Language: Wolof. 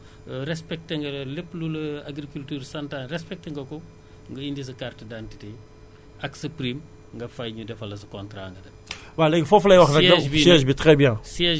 ba ñu xam ne wax dëgg Yàlla tool bi de xam nañ ko respecter nga lépp lu la agriculture sant respecter nga ko nga indi sa carte d' identité ak sa prime nga fay ñu defal la sa contrat